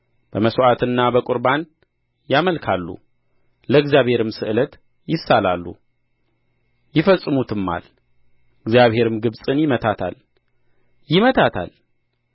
በመሥዋዕትና በቍርባን ያመልካሉ ለእግዚአብሔርም ስእለት ይሳላሉ ይፈጽሙትማል እግዚአብሔርም ግብጽን ይመታታል ይመታታል